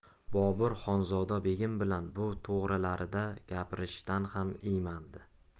bobur xonzoda begim bilan bu to'g'rilarda gapirishishdan ham iymanadi